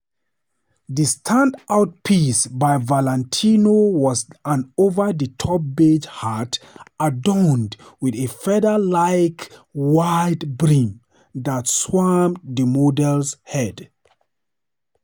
The stand out piece by Valentino was an over-the-top beige hat adorned with a feather-like wide brim that swamped the models heads.